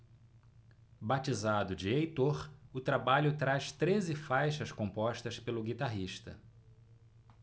batizado de heitor o trabalho traz treze faixas compostas pelo guitarrista